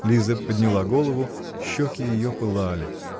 Лиза подняла голову, щеки ее пылали.